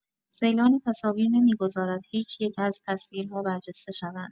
سیلان تصاویر نمی‌گذارد هیچ‌یک از تصویرها برجسته شوند.